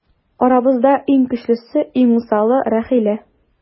Арабызда иң көчлесе, иң усалы - Рәхилә.